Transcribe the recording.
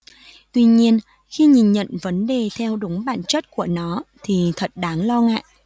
tuy nhiên khi nhìn nhận vấn đề theo đúng bản chất của nó thì thật đáng lo ngại